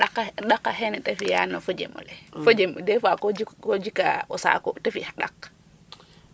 So xa ƭak a ƭak axe ne te fi'aa no fo jem ole fo jem dés fois ko jika o saku te fi' xa ƭak.